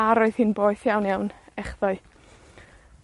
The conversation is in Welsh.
A roedd hi'n boeth iawn, iawn echddoe.